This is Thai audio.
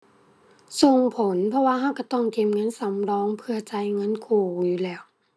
ส่งผลเพราะว่าเราเราต้องเก็บเงินสำรองเพื่อจ่ายเงินกู้อยู่แล้ว